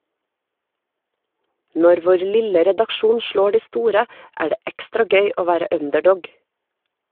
Når vår lille redaksjon slår de store, er det ekstra gøy å være underdog.